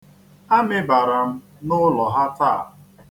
Amịbara m n'ụlọ ha taa.